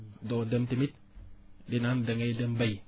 doo dem tamit di naan da ngay dem bayi